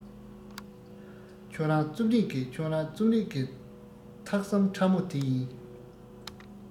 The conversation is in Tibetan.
ཁྱོད རང རྩོམ རིག གི ཁྱོད རང རྩོམ རིག གི ཐག ཟམ ཕྲ མོ དེ ཡིན